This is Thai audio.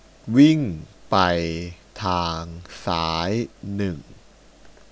วิ่งไปทางซ้ายหนึ่ง